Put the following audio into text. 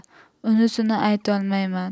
unisini aytolmayman